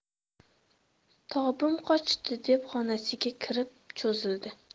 tobim qochdi deb xonasiga kirib cho'zildi